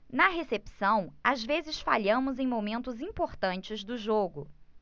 na recepção às vezes falhamos em momentos importantes do jogo